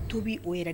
Tobi' o yɛrɛ